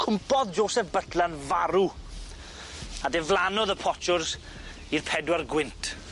Cwmpodd Joseph Butler'n farw a diflannodd y potsiwrs i'r pedwar gwynt.